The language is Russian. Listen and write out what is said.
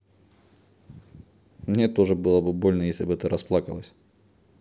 мне тоже больно было бы если бы ты расплакалась